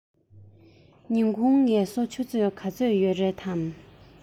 ཉིན གུང ངལ གསོ ཆུ ཚོད ག ཚོད ཡོད རས